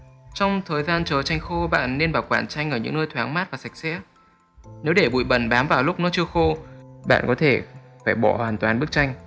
trong thời gian chờ tranh khô bạn nên bảo quản tranh ở những nơi thoàng mát và sạch sẽ nếu để bụi bẩn bám vào lúc nó chưa khô bạn có thể phải bỏ hoàn toàn bức tranh